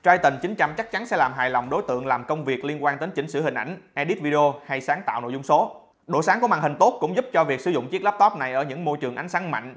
triton chắc chắn sẽ làm hài lòng đối tượng làm công việc liên quan đến chỉnh sửa hình ảnh edit video hay sáng tạo nội dung số độ sáng của màn hình tốt cũng giúp cho việc sử dụng chiếc laptop này ở những môi trường ánh sáng mạnh